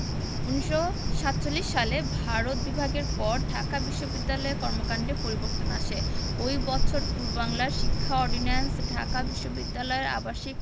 ১৯৪৭ সালে ভারত বিভাগের পর ঢাকা বিশ্ববিদ্যালয়ে কর্মকান্ডে পরিবর্তন আসে ওই বছর পূর্ববাংলার শিক্ষা অর্ডিন্যান্স ঢাকা বিশ্ববিদ্যালয়ের আবাসিক